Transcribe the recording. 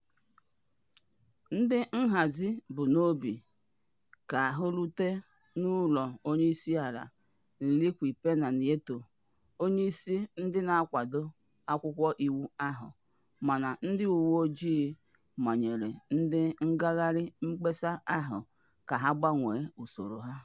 Ndị nhazi bu n'obi ka ahụ rute n'ụlọ Onyeisiala Enrique Pena Nieto, onyeisi ndị na-akwado akwụkwọ iwu ahụ, mana ndị uweojii manyere ndị ngagharị mkpesa ahụ ka ha gbanwee usoro ha.